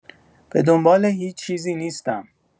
به دنبال هیچ چیزی نیستم.